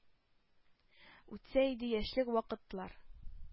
Үтсә иде яшьлек вакытлар.